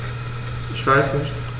Ich weiß nicht.